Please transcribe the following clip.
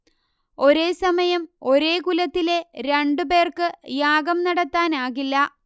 ഒരേ സമയം ഒരേ കുലത്തിലെ രണ്ടുപേർക്ക് യാഗം നടത്താനാകില്ല